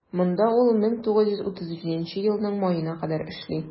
Монда ул 1937 елның маена кадәр эшли.